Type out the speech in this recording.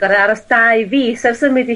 ...gor'o' aros dau fis ers symud i